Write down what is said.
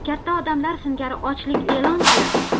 katta odamlar singari ochlik e'lon qilib